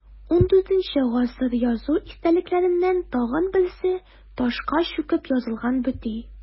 ХIV гасыр язу истәлекләреннән тагын берсе – ташка чүкеп язылган бөти.